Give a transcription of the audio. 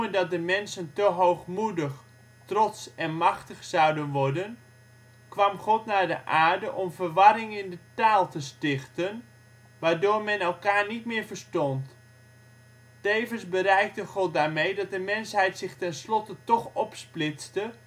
dat de mensen te hoogmoedig, trots en machtig zouden worden kwam God naar de aarde om verwarring in de taal te stichten, waardoor men elkaar niet meer verstond. Tevens bereikte God hiermee dat de mensheid zich tenslotte toch opsplitste